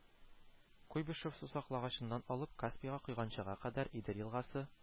Куйбышев сусаклагычыннан алып Каспийга койганчыга кадәр Идел елгасы